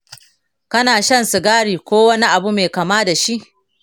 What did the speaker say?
kana shan sigari ko wani abu mai kama da shi?